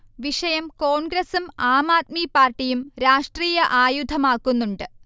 വിഷയം കോൺഗ്രസും ആംആദ്മി പാർട്ടിയും രാഷ്ട്രീയ ആയുധമാക്കുന്നുണ്ട്